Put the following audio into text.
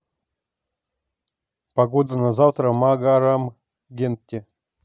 погода на завтра в магарамкенте